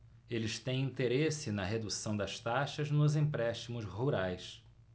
eles têm interesse na redução das taxas nos empréstimos rurais